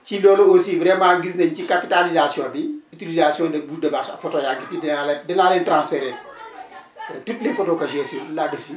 ci loolu aussi vraiment gis nañu ci capitalisation bi utilisation de bouse de vache ak photo yaa ngi fi dinaa leen transféré toutes les photos que j' ai sur là dessus